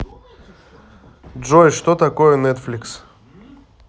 джой что такое netflix